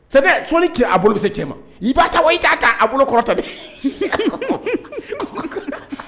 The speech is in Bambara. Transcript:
Sɛbɛ fo ni cɛ a bolo bɛ se cɛ ma , i b'a ta wa i t'a ta, a bolo kɔrɔ talen.